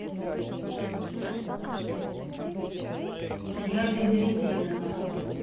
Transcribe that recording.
я бедрединова